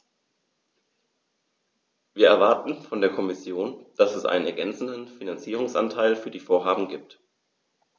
Wir erwarten von der Kommission, dass es einen ergänzenden Finanzierungsanteil für die Vorhaben gibt.